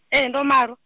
ee ndo malwa.